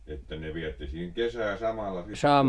että ne vietti siinä kesää samalla sitten